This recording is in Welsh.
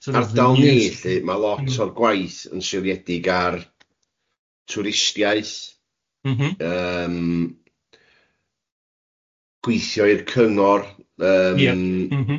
Ardal ni lly, ma' lot o'r gwaith yn seiliedig ar twristiaeth... M-hm... yym gweithio i'r cyngor yym... Ie, m-hm.